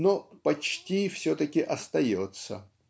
но почти все-таки остается